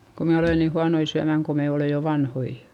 kun me olemme niin huonoja syömään kun me olemme jo vanhoja